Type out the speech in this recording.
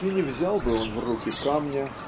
и не взял бы он в руки камня